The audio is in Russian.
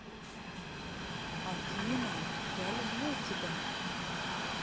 афина я люблю тебя